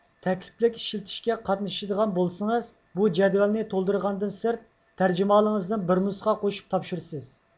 تەكلىپلىك ئىشلىتىشكە قاتنىشىدىغان بولسىڭىز بۇ جەدۋەلنى تولدۇرغاندىن سىرت تەرجىمىھالىڭىزدىن بىر نۇسخا قوشۇپ تاپشۇرىسىز